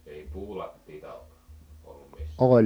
ei puulattiaa ollut missään